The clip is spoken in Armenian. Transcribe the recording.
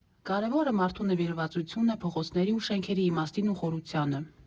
Կարևորը՝ մարդու նվիրվածությունն է փողոցների ու շենքերի իմաստին ու խորությանը։